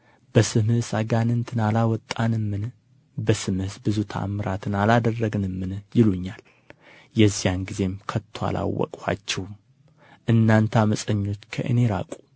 በስምህስ አጋንንትን አላወጣንምን በስምህስ ብዙ ተአምራትን አላደረግንምን ይሉኛል የዚያን ጊዜም ከቶ አላወቅኋችሁም እናንተ ዓመፀኞች ከእኔ ራቁ